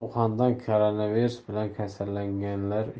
uxanda koronavirus bilan kasallanganlar